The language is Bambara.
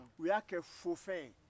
o y'a kɛ fo fɛn ye